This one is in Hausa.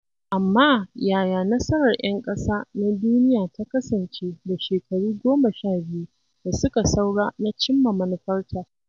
Amma yaya nasarar 'Yan Ƙasa na Duniya ta kasance da shekaru 12 da suka saura na cimma manufarta?